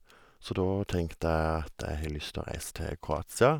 Så da tenkte jeg at jeg har lyst å reise til Kroatia.